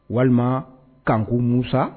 Walima'ankun mu san